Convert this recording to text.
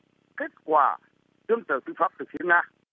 kết quả tương tự tư pháp từ phía nga